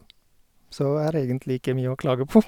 Så jeg har egentlig ikke mye å klage på.